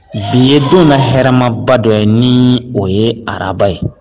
Bi ye don bɛ hɛrɛmaba dɔ ye ni o ye araba ye